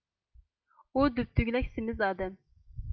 ئۇ دۈبدۈگىلەك سېمىز ئادەم